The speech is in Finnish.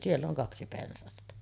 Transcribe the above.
sillä on kaksi pensasta